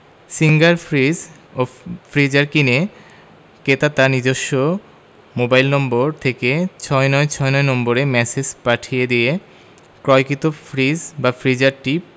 singer fridge freezer কিনে ক্রেতা তার নিজস্ব মোবাইল নম্বর থেকে ৬৯৬৯ নম্বরে ম্যাসেজ পাঠিয়ে দিয়ে ক্রয়কৃত ফ্রিজ/ফ্রিজারটির